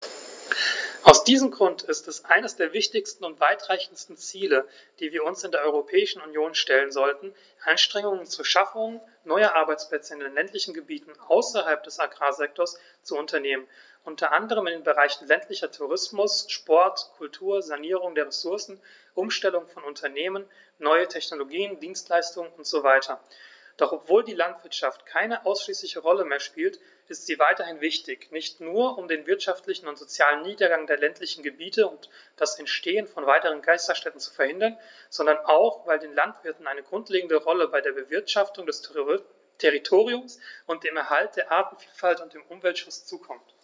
Aus diesem Grund ist es eines der wichtigsten und weitreichendsten Ziele, die wir uns in der Europäischen Union stellen sollten, Anstrengungen zur Schaffung neuer Arbeitsplätze in den ländlichen Gebieten außerhalb des Agrarsektors zu unternehmen, unter anderem in den Bereichen ländlicher Tourismus, Sport, Kultur, Sanierung der Ressourcen, Umstellung von Unternehmen, neue Technologien, Dienstleistungen usw. Doch obwohl die Landwirtschaft keine ausschließliche Rolle mehr spielt, ist sie weiterhin wichtig, nicht nur, um den wirtschaftlichen und sozialen Niedergang der ländlichen Gebiete und das Entstehen von weiteren Geisterstädten zu verhindern, sondern auch, weil den Landwirten eine grundlegende Rolle bei der Bewirtschaftung des Territoriums, dem Erhalt der Artenvielfalt und dem Umweltschutz zukommt.